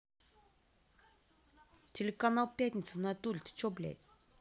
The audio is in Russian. телеканал пятница в натуре ты что блядь